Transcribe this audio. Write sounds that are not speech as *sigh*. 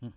*hesitation* *hesitation*